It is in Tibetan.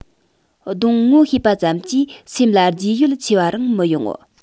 གདོང ངོ ཤེས པ ཙམ གྱིས སེམས ལ རྒྱུས ཡོད ཆེ བ རང མི ཡོང